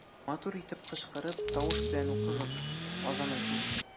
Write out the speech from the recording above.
Матур итеп кычкырып, тавыш белән укыгыз, азан әйтегез.